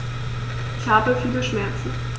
Ich habe viele Schmerzen.